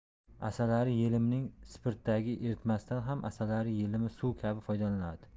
asalari yelimining spirtdagi eritmasidan ham asalari yelimi suvi kabi foydalaniladi